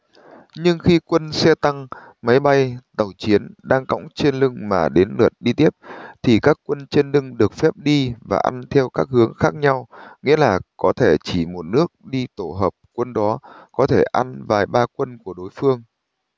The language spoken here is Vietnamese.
nhưng khi quân xe tăng máy bay tàu chiến đang cõng trên lưng mà đến lượt đi tiếp thì các quân trên lưng được phép đi và ăn theo các hướng khác nhau nghĩa là có thể chỉ một nước đi tổ hợp quân đó có thể ăn vài ba quân của dối phương